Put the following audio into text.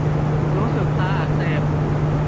รู้สึกตาอักเสบ